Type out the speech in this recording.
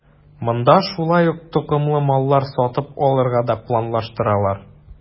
Монда шулай ук токымлы маллар сатып алырга да планлаштыралар.